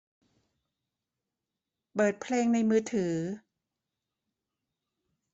เปิดเพลงในมือถือ